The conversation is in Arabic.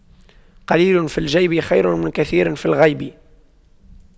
قليل في الجيب خير من كثير في الغيب